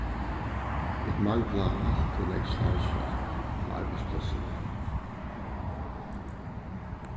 vit mangla alt ov nógv starvsfólk á arbeiðsplássinum